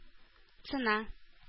Цена